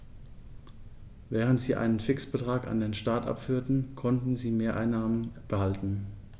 Während sie einen Fixbetrag an den Staat abführten, konnten sie Mehreinnahmen behalten.